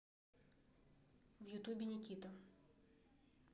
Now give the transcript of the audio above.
в ютубе никита